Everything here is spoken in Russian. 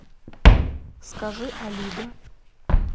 скажи алиго